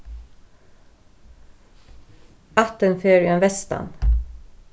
ættin fer í ein vestan